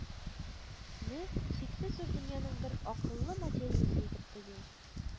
Не чиксез зур дөньяның бер «акыллы материясе» итеп тою